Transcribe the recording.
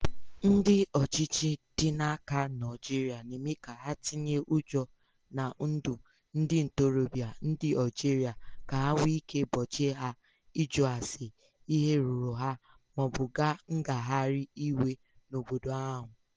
Ndị ọchịchị dị n'aka n'Algeria na-eme ka ha tinye ụjọ na ndụ ndị ntorobịa ndị Algeria ka ha nwee ike gbochie há ịjụ ase ihe ruru ha maọbụ gaa ngagharị iwe n'obodo ahụ.